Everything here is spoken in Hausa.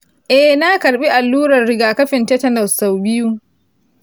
eh na karɓi allurar rigakafin tetanus sau biyu